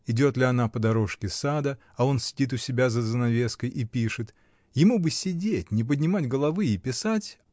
Идет ли она по дорожке сада, а он сидит у себя за занавеской и пишет, ему бы сидеть, не поднимать головы и писать